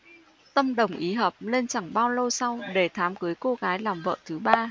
tâm đồng ý hợp nên chẳng bao lâu sau đề thám cưới cô gái làm vợ thứ ba